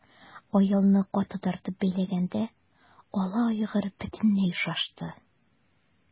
Аелны каты тартып бәйләгәндә ала айгыр бөтенләй шашты.